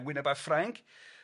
Yn Wynab a'r Ffrainc.